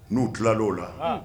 N'u dilanla oo la